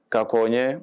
Ka ko n ye